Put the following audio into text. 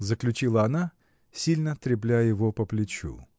— заключила она, сильно трепля его по плечу.